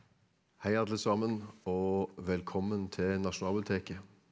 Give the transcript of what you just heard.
hei alle sammen og velkommen til Nasjonalbiblioteket.